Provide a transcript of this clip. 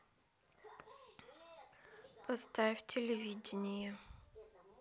поставь телевидение